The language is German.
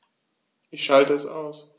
Ich schalte es aus.